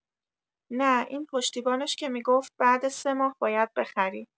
نه این پشتیبانش که می‌گفت بعد ۳ ماه باید بخری